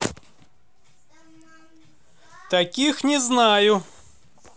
таких не знаю